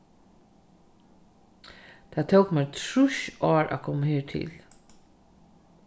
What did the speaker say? tað tók mær trýss ár at koma her til